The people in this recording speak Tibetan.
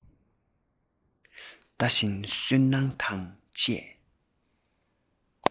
ལྟ བཞིན སུན སྣང དང བཅས